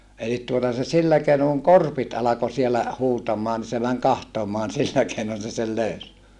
eli tuota se sillä keinoin kun korpit alkoi siellä huutamaan niin se meni katsomaan sillä keinoin se sen löysi